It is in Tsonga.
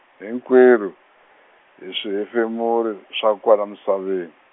hinkwerhu, hi swihefemuri, swa kwala misaveni.